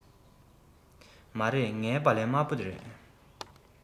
མ རེད ངའི སྦ ལན དམར པོ རེད